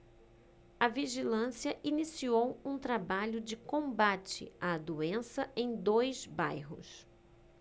a vigilância iniciou um trabalho de combate à doença em dois bairros